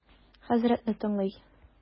Хәзрәтне тыңлый.